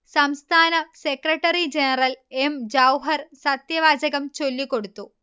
സംസ്ഥാന secretary general M. Jauhar സത്യവാചകം ചൊല്ലികൊടുത്തു